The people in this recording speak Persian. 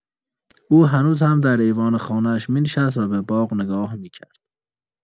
او هنوز هم در ایوان خانه‌اش می‌نشست و به باغ نگاه می‌کرد.